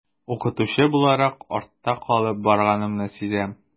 Укытучы буларак артта калып барганымны сизәм.